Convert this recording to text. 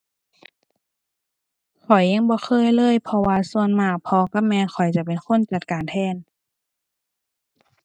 ข้อยยังบ่เคยเลยเพราะว่าส่วนมากพ่อกับแม่ข้อยจะเป็นคนจัดการแทน